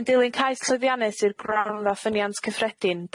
Yn dilyn cais llyddiannus i'r gronfa ffyniant cyffredin